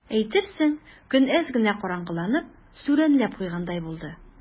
Әйтерсең, көн әз генә караңгыланып, сүрәнләнеп куйгандай булды.